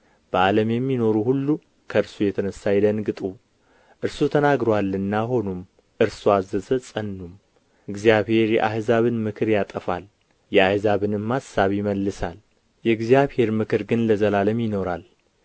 በዓለም የሚኖሩ ሁሉም ከእርሱ የተነሣ ይደንግጡ እርሱ ተናግሮአልና ሆኑም እርሱ አዘዘ ጸኑም እግዚአብሔር የአሕዛብን ምክር ያጠፋል የአሕዛብንም አሳብ ይመልሳል የእግዚአብሔር ምክር ግን ለዘላለም ይኖራል